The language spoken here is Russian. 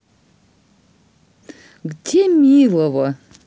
где милого